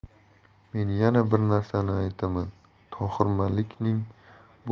men yana bir narsani aytaman tohir